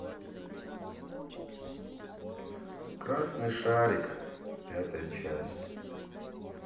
красный шарик пятая часть